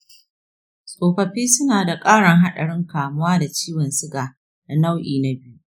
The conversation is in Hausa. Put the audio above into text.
tsofaffi suna da ƙarin haɗarin kamuwa da ciwon suga na nau’i na biyu.